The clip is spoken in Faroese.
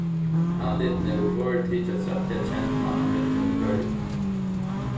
andlitini við borðið tykjast rættiliga kend manna millum í føroyum